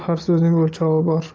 har so'zning o'lchovi bor